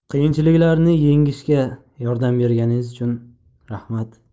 qiyinchiliklarni yengishga yordam berganingiz uchun rahmat